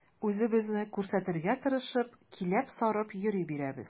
Үзебезне күрсәтергә тырышып, киләп-сарып йөри бирәбез.